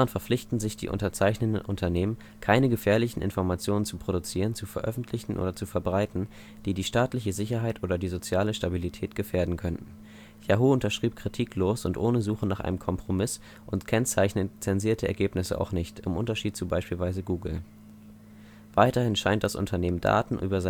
verpflichten sich die unterzeichnenden Unternehmen, „ keine gefährlichen Informationen zu produzieren, zu veröffentlichen oder zu verbreiten, die die staatliche Sicherheit oder die soziale Stabilität gefährden könnten “. Yahoo unterschrieb kritiklos und ohne Suche nach einem Kompromiss und kennzeichnet zensierte Ergebnisse auch nicht (im Unterschied zu beispielsweise Google). Weiterhin scheint das Unternehmen Daten über